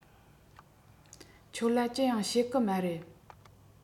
ཁྱོད ལ ཅི ཡང བཤད གི མ རེད